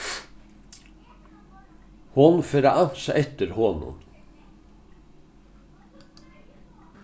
hon fer at ansa eftir honum